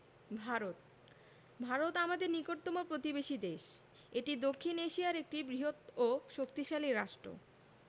ভারতঃ ভারত আমাদের নিকটতম প্রতিবেশী দেশএটি দক্ষিন এশিয়ার একটি বৃহৎও শক্তিশালী রাষ্ট্র